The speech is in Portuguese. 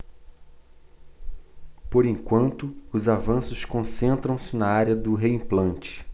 por enquanto os avanços concentram-se na área do reimplante